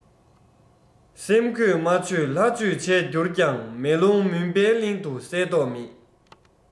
སེམས གོས མ ཆོད ལྷ ཆོས བྱས གྱུར ཀྱང མེ ལོང མུན པའི གླིང དུ གསལ མདོག མེད